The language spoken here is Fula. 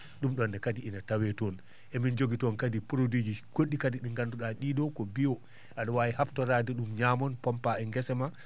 ɗum ɗonne kadi ine tawe toon emin jogii kadi produit ji goɗɗi kadi ɗi ngannduɗaa ɗiɗo ko bio aɗa waawi habtoraade ɗum ñaamon pompaa e ngesa maa